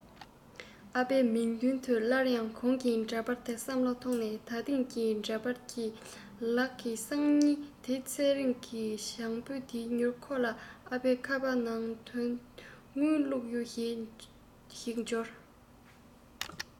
ཨ ཕའི མིག མདུན དུ སླར ཡང གོང གི འདྲ པར དེ བསམ བློ ཐོངས ནས ད ཐེངས ཀྱི འདྲ པར གྱི ལག གི སང ཉིན དེ ལ ཚེ རིང གི བྱང བུའི དེ མྱུར ཁོ ལ ཨ ཕའི ཁ པར ནང དོན དངུལ བླུག ཡོད ཞེས པ ཞིག འབྱོར